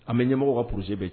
An bɛ ɲɛmɔgɔw ka projet bɛ yen